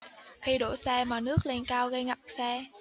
khi đỗ xe mà nước lên cao gây ngập xe